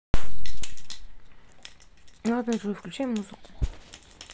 ладно джой включай музыку